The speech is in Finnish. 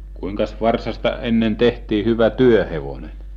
kuinkas varsasta ennen tehtiin hyvä työhevonen